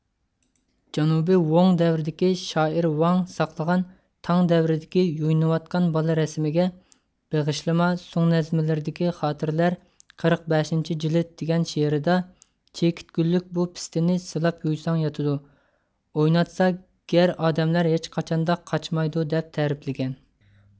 جەنۇبىي ۋوڭ دەۋرىدىكى شائىر ۋاڭ ساقلىغان تاڭ دەۋرىدىكى يۇيۇنۇۋاتقان بالا رەسىمىگە بېغىشلىما سوڭ نەزمىلىرىدىكى خاتىرىلەر قىرىق بەشىنچى جىلىد دېگەن شېئىرىدا چېكىت گۈللۈك بۇ پىستىنى سىلاپ يۇيساڭ ياتىدۇ ئويناتسا گەر ئادەملەر ھېچقاچاندا قاچمايدۇ دەپ تەرىپلىگەن